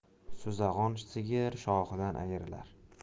suzag'on sigir shoxidan ayrilar